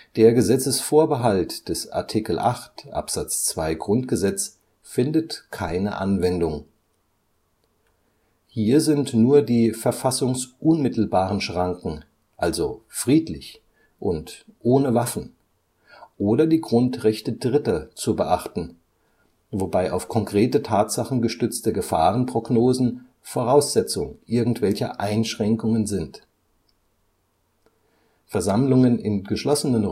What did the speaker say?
Der Gesetzesvorbehalt des Art. 8 Abs. 2 GG findet keine Anwendung. Hier sind nur die verfassungsunmittelbaren Schranken, also „ friedlich “und „ ohne Waffen “oder die Grundrechte Dritter (Art. 2 GG) zu beachten, wobei auf konkrete Tatsachen gestützte Gefahrenprognosen Voraussetzung irgendwelcher Einschränkungen sind. Versammlungen in geschlossenen